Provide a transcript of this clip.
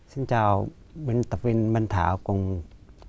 xin chào biên tập viên minh thảo cùng